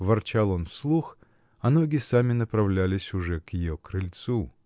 — ворчал он вслух, а ноги сами направлялись уже к ее крыльцу.